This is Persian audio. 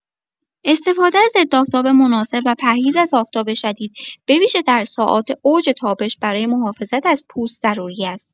استفاده از ضدآفتاب مناسب و پرهیز از آفتاب شدید به‌ویژه در ساعات اوج تابش برای محافظت از پوست ضروری است.